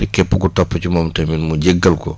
te képp ku topp ci moom tamit mu jégal ko